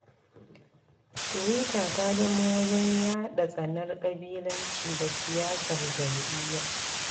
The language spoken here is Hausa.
Tuwita ta zamo wajen yaɗa tsanar ƙabilanci da siyasar jam'iyya.